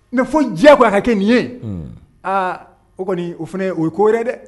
Mais fo diyagoya a ka kɛnin ye, aa o kɔni o fana o ye ko yɛrɛ ye dɛ